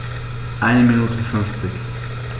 Eine Minute 50